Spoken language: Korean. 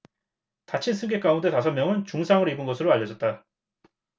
다친 승객 가운데 다섯 명은 중상을 입은 것으로 알려졌다